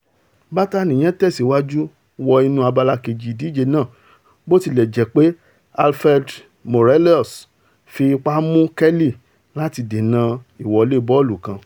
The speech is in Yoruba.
Bátàni yẹn tẹ̀sìwájú wọ inú abala keji ìdíje náà bó tilẹ̀ jẹ́ pé Alfred Morelos fi ipa mú Kelly láti dènà ìwọlé bọ́ọ̀lù kan.